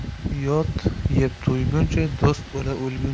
yot yeb to'yguncha do'st o'la o'lguncha